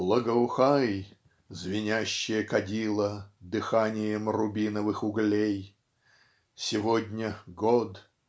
- Благоухай, звенящее кадило, Дыханием рубиновых углей! Сегодня год.